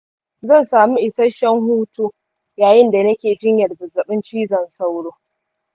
zan samu isasshen hutu yayin da nake jinyar zazzaɓin cizon sauro.